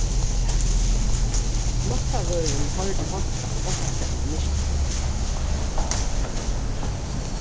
náttarvørðurin hoyrdi hostan onkustaðni í myrkrinum